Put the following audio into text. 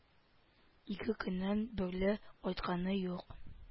Ике көннән бирле кайтканы юк